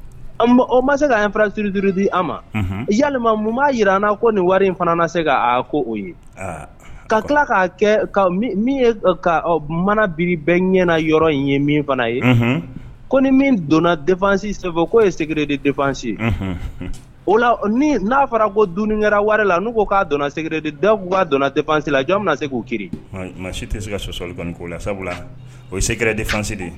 O ma se ka an fanasiri duuruur di a ma ya mun'a jira n ko nin wari in fana se ka ko o ye ka tila' kɛ min mana biri bɛɛ ɲɛna yɔrɔ in ye min fana ye ko ni min donna defasi sen ko ye seg de defasi ye o la n'a fɔra ko don kɛra wari la n'u ko k'a dɔn sɛ de da b'a donnafasila jɔn min se k'o kiiri ma si tɛ se ka sosɔli k'o la sabula o ye sɛɛrɛ defase de ye